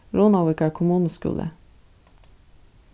runavíkar kommunuskúli